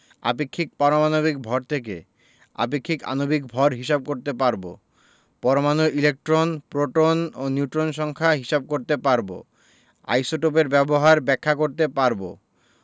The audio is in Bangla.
আপেক্ষিক পারমাণবিক ভর থেকে আপেক্ষিক আণবিক ভর হিসাব করতে পারব পরমাণুর ইলেকট্রন প্রোটন ও নিউট্রন সংখ্যা হিসাব করতে পারব আইসোটোপের ব্যবহার ব্যাখ্যা করতে পারব